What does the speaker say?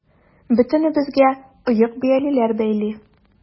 Бөтенебезгә оек-биялиләр бәйли.